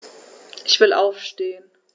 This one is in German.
Ich will aufstehen.